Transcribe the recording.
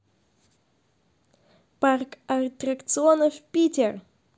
парк аттракционов питер